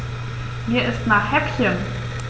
Mir ist nach Häppchen.